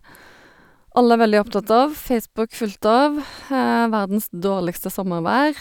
Alle er veldig opptatt av, Facebook fullt av, verdens dårligste sommervær.